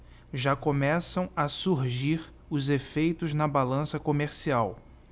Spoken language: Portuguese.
já começam a surgir os efeitos na balança comercial